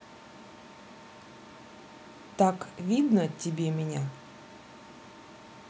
так видно тебе меня